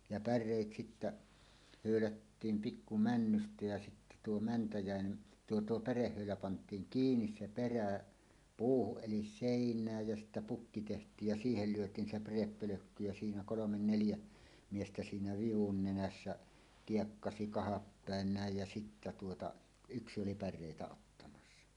ja päreitä sitten höylättiin pikku männystä ja sitten tuo mänty tuo tuo pärehöylä pantiin kiinni se perä puuhun eli seinään ja siitä pukki tehtiin ja siihen lyötiin se pärepölkky ja siinä kolme neljä miestä siinä vivun nenässä kiekkasi kahdapäin näin ja sitten tuota yksi oli päreitä ottamassa